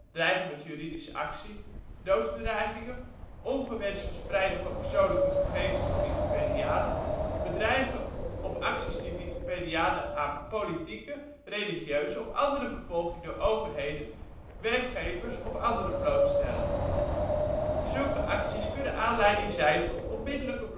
Dreigen met juridische actie Doodsbedreigingen Ongewenst verspreiden van persoonlijke gegevens van wikipedianen Bedreigingen of acties die wikipedianen aan politieke, religieuze of andere vervolging door overheden, werkgevers of anderen blootstellen. Zulke acties kunnen aanleiding zijn tot onmiddellijke